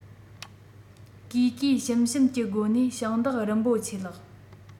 གུས གུས ཞུམ ཞུམ གྱི སྒོ ནས ཞིང བདག རིན པོ ཆེ ལགས